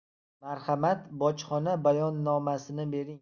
marhamat bojxona bayonnomasini bering